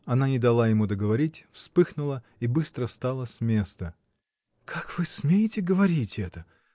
Она не дала ему договорить, вспыхнула и быстро встала с места. — Как вы смеете говорить это?